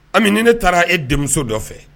Ami ni ne taara e denmuso nɔfɛ.